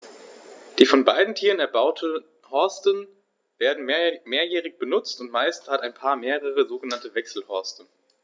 Die von beiden Tieren erbauten Horste werden mehrjährig benutzt, und meist hat ein Paar mehrere sogenannte Wechselhorste.